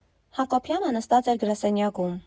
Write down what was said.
Հակոբյանը նստած էր գրասենյակում։